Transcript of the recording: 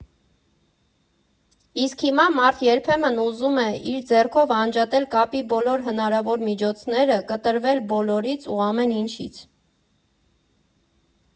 Իսկ հիմա մարդ երբեմն ուզում է իր ձեռքով անջատել կապի բոլոր հնարավոր միջոցները, կտրվել բոլորից ու ամեն ինչից։